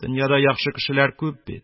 Дөньяда яхшы кешеләр күп бит: